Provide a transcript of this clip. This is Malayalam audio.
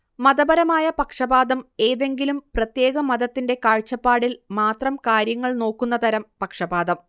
മതപരമായ പക്ഷപാതം ഏതെങ്കിലും പ്രത്യേക മതത്തിന്റെ കാഴ്ചപ്പാടിൽ മാത്രം കാര്യങ്ങള് നോക്കുന്ന തരം പക്ഷപാതം